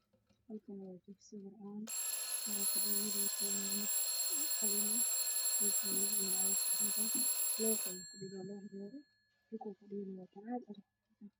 Hal kaan waa Dugsiga quraanka